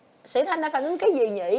sĩ thanh đã phản ứng cái gì vậy